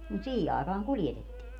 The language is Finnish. mutta siihen aikaan kuljetettiin